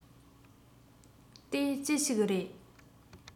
དེ ཅི ཞིག རེད